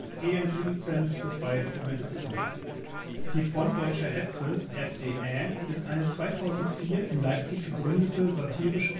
GNU Lizenz für freie Dokumentation. Die Front Deutscher Äpfel (F.D.Ä.) ist eine 2004 in Leipzig gegründete satirische